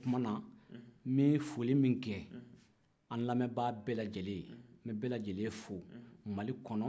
o tumana n bɛ foli min kɛ an lamɛbaa bɛɛ lajɛlen n bɛ bɛɛ lajɛlen fo mali kɔnɔ